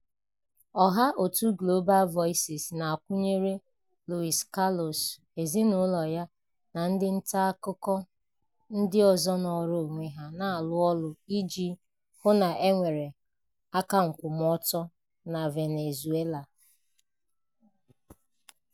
Ọha òtù Global Voices na-akwụnyere Luis Carlos, ezinụlọ ya, na ndị nta akụkọ ndị ọzọ nọọrọ onwe ha na-arụ ọrụ iji hụ na e nwere akankwụmọtọ na Venezuela.